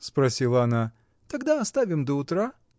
— спросила она, — тогда оставим до утра.